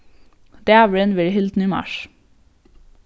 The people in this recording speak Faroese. dagurin verður hildin í mars